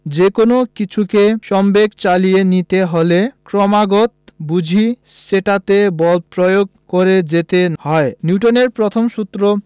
যেকোনো কিছুকে সমবেগে চালিয়ে নিতে হলে ক্রমাগত বুঝি সেটাতে বল প্রয়োগ করে যেতে হয় নিউটনের প্রথম সূত্র